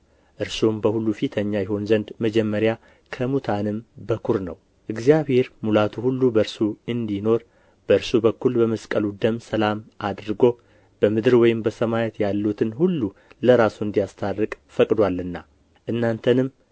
እርሱም በሁሉ ፊተኛ ይሆን ዘንድ መጀመሪያ ከሙታንም በኵር ነው እግዚአብሔር ሙላቱ ሁሉ በእርሱ እንዲኖር በእርሱም በኩል በመስቀሉ ደም ሰላም አድርጎ በምድር ወይም በሰማያት ያሉትን ሁሉ ለራሱ እንዲያስታርቅ ፈቅዶአልና እናንተንም